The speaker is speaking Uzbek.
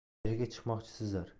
qaerga chiqmoqchisizlar